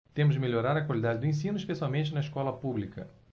temos de melhorar a qualidade do ensino especialmente na escola pública